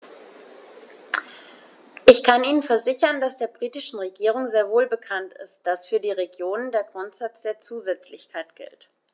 Ich kann Ihnen versichern, dass der britischen Regierung sehr wohl bekannt ist, dass für die Regionen der Grundsatz der Zusätzlichkeit gilt.